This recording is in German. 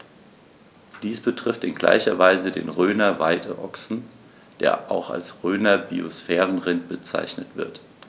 Dies betrifft in gleicher Weise den Rhöner Weideochsen, der auch als Rhöner Biosphärenrind bezeichnet wird.